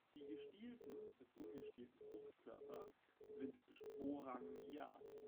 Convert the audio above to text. Die gestielten bis ungestielten Fruchtkörper sind sporangiat